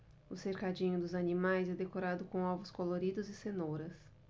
o cercadinho dos animais é decorado com ovos coloridos e cenouras